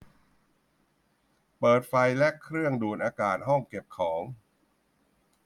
เปิดไฟและเครื่องดูดอากาศห้องเก็บของ